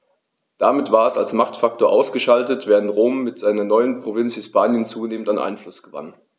Damit war es als Machtfaktor ausgeschaltet, während Rom mit seiner neuen Provinz Hispanien zunehmend an Einfluss gewann.